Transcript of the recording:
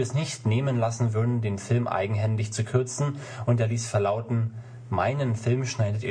nicht nehmen lassen würden, den Film eigenhändig zu kürzen und er ließ verlauten: „ Meinen Film schneidet